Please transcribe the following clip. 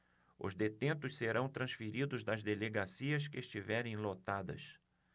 os detentos serão transferidos das delegacias que estiverem lotadas